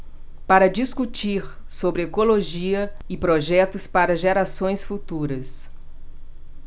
para discutir sobre ecologia e projetos para gerações futuras